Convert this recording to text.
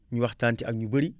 ñu waxtaan ci ak ñu bëri